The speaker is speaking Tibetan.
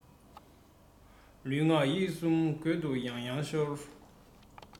ལུས ངག ཡིད གསུམ རྒོད དུ ཡང ཡང ཤོར